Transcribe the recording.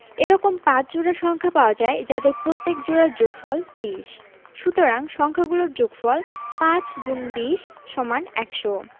এরকম ৫ জোড়া সংখ্যা পাওয়া যায় যাদের প্রত্যেক জোড়ার যোগফল ২০ সুতরাং সংখ্যা গুলোর যোগফল ৫*২০=১০০